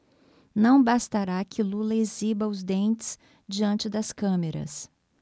não bastará que lula exiba os dentes diante das câmeras